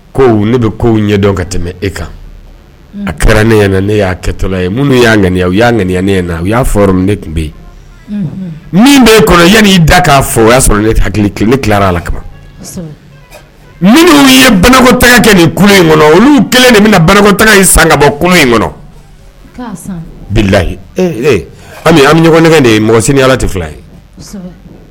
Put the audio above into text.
Ko ne bɛ ko ɲɛdɔn ka tɛmɛ e kan a kɛra ne ne y'a kɛtɔ ye minnu y' ŋ y' ŋani u y'a ne tun bɛ yen min bɛ e kɔnɔ yan y'i da k'a fɔ o y'a sɔrɔ ne hakili ne tilara la kama minnu ye banakotaa kɛ nin ku in kɔnɔ olu kelen de bɛnakotaa san ka bɔ ku in kɔnɔyi ami an bɛ ɲɔgɔn de ye mɔgɔ ala tɛ fila ye